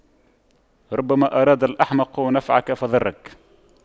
ربما أراد الأحمق نفعك فضرك